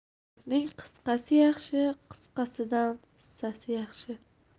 gapning qisqasi yaxshi qisqasidan hissasi yaxshi